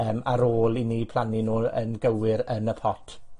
yym, ar ôl i ni plannu nw yn gywir yn y pot.